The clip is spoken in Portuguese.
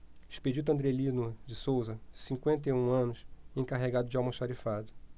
expedito andrelino de souza cinquenta e um anos encarregado de almoxarifado